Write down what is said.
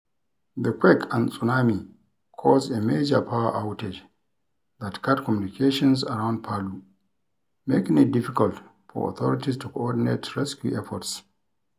The quake and tsunami caused a major power outage that cut communications around Palu making it difficult for authorities to coordinate rescue efforts.